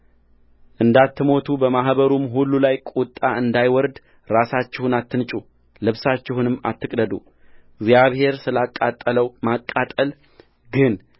እንዳትሞቱ በማኅበሩም ሁሉ ላይ ቁጣ እንዳይወርድ ራሳችሁን አትንጩ ልብሳችሁንም አትቅደዱ እግዚአብሔር ስላቃጠለው ማቃጠል ግን